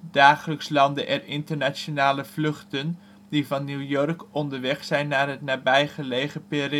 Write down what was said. Dagelijks landen er internationale vluchten die van New York onderweg zijn naar het nabijgelegen Pereira